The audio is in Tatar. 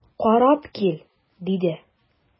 Карап кил,– диде.